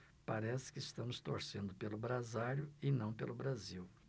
parece que estamos torcendo pelo brasário e não pelo brasil